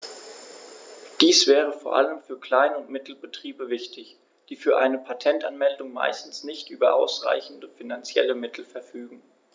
Dies wäre vor allem für Klein- und Mittelbetriebe wichtig, die für eine Patentanmeldung meistens nicht über ausreichende finanzielle Mittel verfügen.